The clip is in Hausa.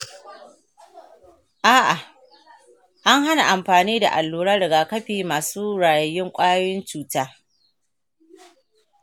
a’a, an hana amfani da alluran rigakafi masu rayayyun ƙwayoyin cuta.